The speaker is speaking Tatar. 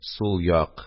Сул як